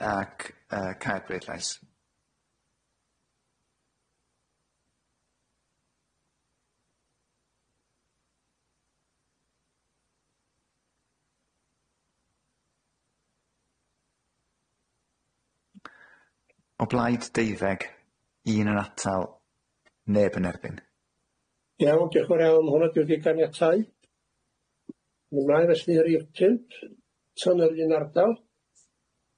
ac y- n cau'r bleidlais. O blaid deuddeg, un yn atal, neb yn erbyn. Iawn diolch yn fowr iawn , mae hwn wedi'i'w ganiatau. Ymlaen felly i rhif pump 'to yn yr run ardal.